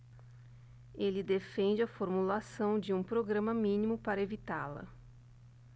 ele defende a formulação de um programa mínimo para evitá-la